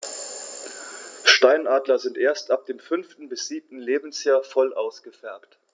Steinadler sind erst ab dem 5. bis 7. Lebensjahr voll ausgefärbt.